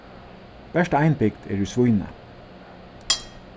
bert ein bygd er í svínoy